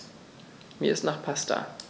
Mir ist nach Pasta.